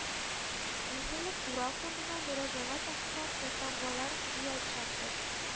Иң элек Урал фондына мөрәҗәгать астына култамгалар ыячакбыз